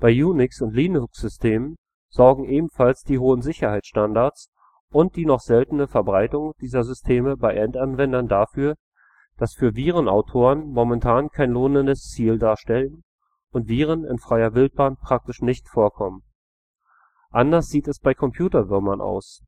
Bei Unix - und Linux-Systemen sorgen ebenfalls die hohen Sicherheitsstandards und die noch seltene Verbreitung dieser Systeme bei Endanwendern dafür, dass sie für Virenautoren momentan kein lohnendes Ziel darstellen und Viren „ in freier Wildbahn “praktisch nicht vorkommen. Anders sieht es bei Computerwürmern aus.